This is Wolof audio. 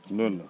loolu la